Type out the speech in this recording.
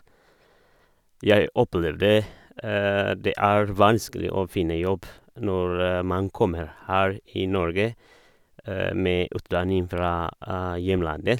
Jeg opplevde det er vanskelig å finne jobb når man kommer her i Norge med utdanning fra hjemlandet.